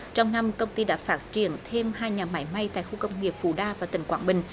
trong năm công ty đã phát triển thêm hai nhà máy may tại khu công nghiệp phú đa và tỉnh quảng bình